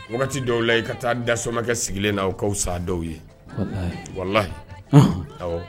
Dɔw layi ka taa dakɛ sigilen na o ka sa dɔw ye walalayi